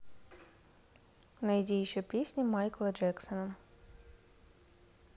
найди еще песни майкла джексона